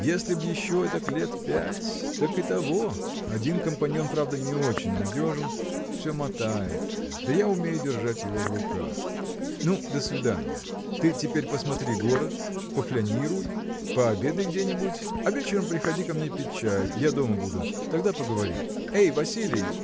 Если б еще этак лет пять, так и того. Один компанион правда не очень надежен – все мотает да я умею держать его в руках. Ну, до свидания. Ты теперь посмотри город пофлянируй пообедай где-нибудь а вечером приходи ко мне пить чай я дома буду – тогда поговорим. Эй, Василий!